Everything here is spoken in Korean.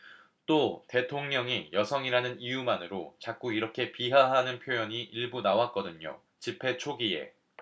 또 대통령이 여성이라는 이유만으로 자꾸 이렇게 비하하는 표현이 일부 나왔거든요 집회 초기에